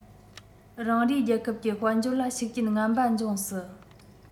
རང རེའི རྒྱལ ཁབ ཀྱི དཔལ འབྱོར ལ ཤུགས རྐྱེན ངན པ འབྱུང སྲིད